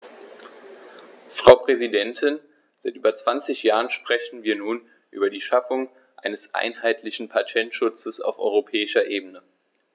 Frau Präsidentin, seit über 20 Jahren sprechen wir nun über die Schaffung eines einheitlichen Patentschutzes auf europäischer Ebene.